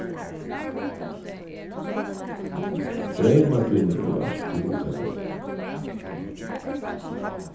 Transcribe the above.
dreymar tínir eru altíð hugtakandi